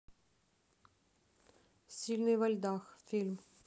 сильный во льдах фильм